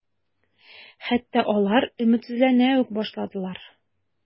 Хәтта алар өметсезләнә үк башладылар.